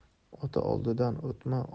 ota oldidan o'tma